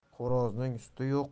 xo'rozning suti yo'q